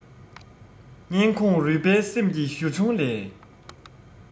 སྙིང ཁོངས རུས པའི སེམས ཀྱི གཞུ ཆུང ལས